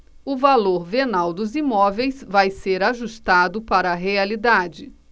o valor venal dos imóveis vai ser ajustado para a realidade